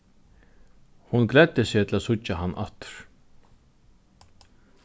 hon gleddi seg til at síggja hann aftur